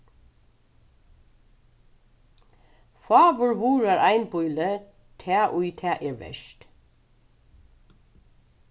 fáur vurðar einbýli tað ið tað er vert